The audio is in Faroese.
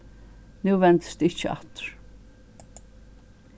nú vendist ikki aftur